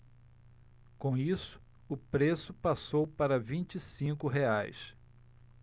com isso o preço passou para vinte e cinco reais